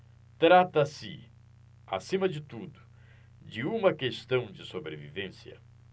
trata-se acima de tudo de uma questão de sobrevivência